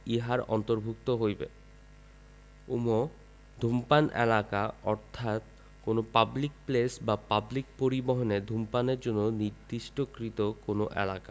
ইহার অন্তর্ভুক্ত হইবে ঙ ধূমপান এলাকা অর্থ কোন পাবলিক প্লেস বা পাবলিক পরিবহণে ধূমপানের জন্য নির্দিষ্টকৃত কোন এলাকা